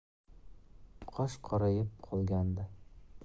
qosh qorayib qolgandi